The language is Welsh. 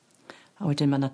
a wedyn ma' 'na...